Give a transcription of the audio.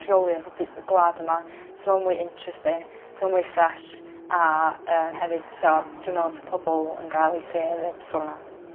rheoli ho' by' y gwlad yma sa fo mwy interesting sa fo mwy ffriesa yy hefyd sa dwi me'wl sa pobol yn ga'l eu say efyd ffor 'na.